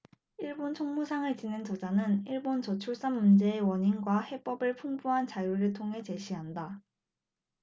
일본 총무상을 지낸 저자는 일본 저출산 문제의 원인과 해법을 풍부한 자료를 통해 제시한다